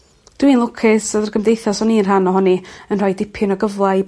Dwi'n lwcus odda'r gymdeithas o'n i yn rhan ohoni yn rhoi dipyn o gyfla i